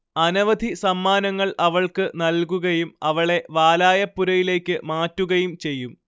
അനവധി സമ്മാനങ്ങൾ അവൾക്ക് നൽകുകയും അവളെ വാലായപ്പുരയിലേക്ക് മാറ്റുകയും ചെയ്യും